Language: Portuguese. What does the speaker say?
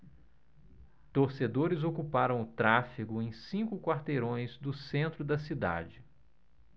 torcedores ocuparam o tráfego em cinco quarteirões do centro da cidade